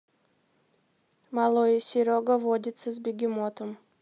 малой и серега водится с бегемотом